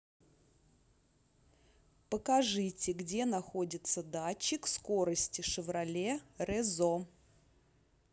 покажите где находится датчик скорости шевроле резо